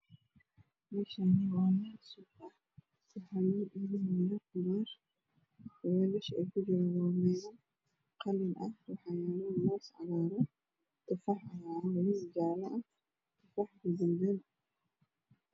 Meeshaani waa meel suuq ah waxaa lagu iibinooyaa khudaar meelasha ay ku jiraan waa meelo qalin ah waxaayaalo moos cagaaran tufaax cagaaran moos jaala ah tufaax gaduudan